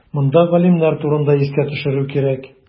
Монда галимнәр турында искә төшерү кирәк.